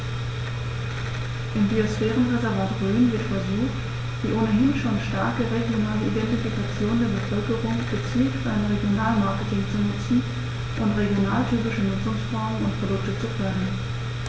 Im Biosphärenreservat Rhön wird versucht, die ohnehin schon starke regionale Identifikation der Bevölkerung gezielt für ein Regionalmarketing zu nutzen und regionaltypische Nutzungsformen und Produkte zu fördern.